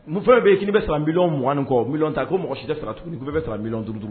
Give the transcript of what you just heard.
Muso bɛ k'inii bɛ sara bi min kɔ mi ta ko mɔgɔ si tɛ sara tuguni kun bɛ sara mi turuugu